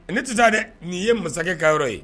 Ne tɛ taa dɛ nin ye masakɛ kayɔrɔ ye